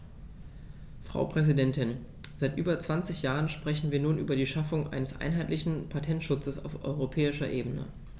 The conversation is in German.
Frau Präsidentin, seit über 20 Jahren sprechen wir nun über die Schaffung eines einheitlichen Patentschutzes auf europäischer Ebene.